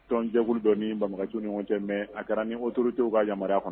Tɔnoncɛkulu dɔ min bamakɔc ni ɲɔgɔn tɛ mɛ a kɛra ni otuurudenw ka yamaruya kɔnɔ